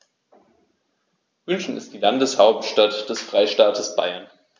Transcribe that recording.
München ist die Landeshauptstadt des Freistaates Bayern.